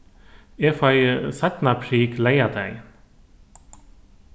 eg fái seinna prik leygardagin